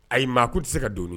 Ayi maa tun tɛ se ka don